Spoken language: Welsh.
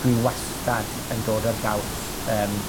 dwi wastad yn dod ar draws yym,